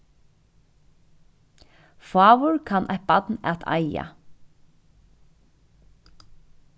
fáur kann eitt barn at eiga